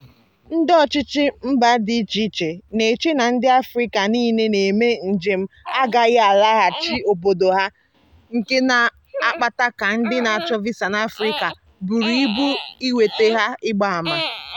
Ịchọ ka mba ndị n'abụghị mba Afrịka jiri usoro pụrụ iche maka nkwádo Visa maka ndị Afrịka bụ ọgụ toro ogologo.